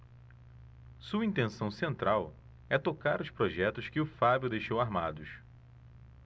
sua intenção central é tocar os projetos que o fábio deixou armados